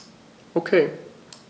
Okay.